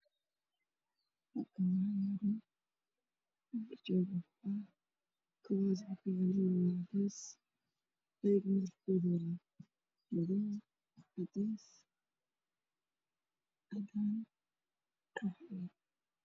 Waa kaabo dumar oo midabkoodu yahay cadaan madow oo saaran miis cadaan